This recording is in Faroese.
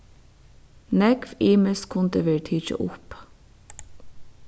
nógv ymiskt kundi verið tikið upp